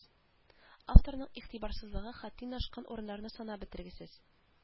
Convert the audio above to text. Авторның игътибарсызлыгы хәттин ашкан урыннарны санап бетергесез